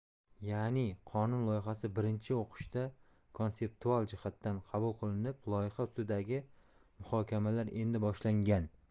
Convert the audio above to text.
ya'ni qonun loyihasi birinchi o'qishda konseptual jihatdan qabul qilinib loyiha ustidagi muhokamalar endi boshlangan